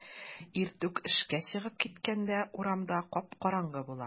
Иртүк эшкә чыгып киткәндә урамда кап-караңгы була.